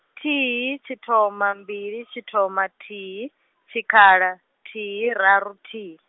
thihi tshithoma mbili tshithoma thihi, tshikhala, thihi raru thihi.